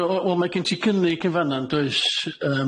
O reit o we- wel ma' gen ti gynnig yn fan'an does? Yym.